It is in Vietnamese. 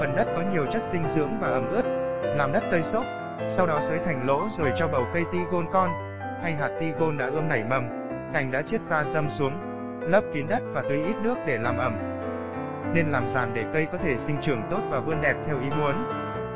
chọn phần đất có nhiều chất dinh dưỡng và ẩm ướt làm đất tơi xốp sau đó xới thành lỗ rồi cho bầu cây tigon con hay hạt tigon đã ươm nảy mầm cành đã chiết ra giâm xuống lấp kín đất và tưới ít nước để làm ẩm nên làm giàn để cây có thể sinh trưởng tốt và vươn đẹp theo ý muốn